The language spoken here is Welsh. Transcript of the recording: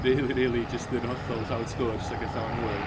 Rili rili jyst yn hollol llawn sgwrs ac yn llawn hwyl.